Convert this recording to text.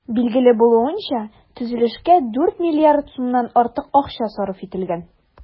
Билгеле булуынча, төзелешкә 4 миллиард сумнан артык акча сарыф ителгән.